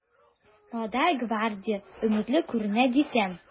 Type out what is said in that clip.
“молодая гвардия” өметле күренә дисәм...